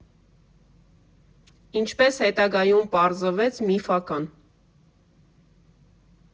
Ինչպես հետագայում պարզվեց՝ միֆական։